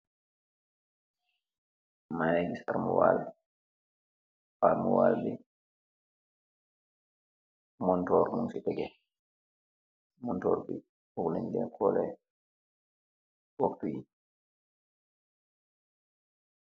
mi gis armuwal armuwal bi montoor mun ci tege montoor bi ugleñjekoole woktu yi